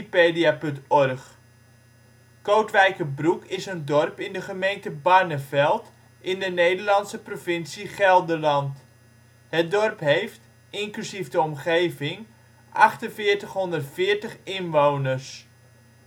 9 ' NB, 5° 40 ' OL Kootwijkerbroek Plaats in Nederland Situering Provincie Gelderland Gemeente Barneveld Coördinaten 52° 9′ NB, 5° 40′ OL Algemeen Inwoners (2004) 4840 Detailkaart Locatie in de gemeente Barneveld Portaal Nederland Kootwijkerbroek (Nedersaksisch: Kootjebroek) is een dorp in de gemeente Barneveld, in de Nederlandse provincie Gelderland. Het dorp heeft, inclusief de omgeving, 4840 inwoners